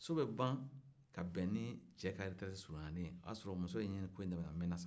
so bɛ ban ka bɛn ni cɛ ka eretereti surunyanen ye o y'a sɔrɔ muso in ye ko in daminɛ a mɛnna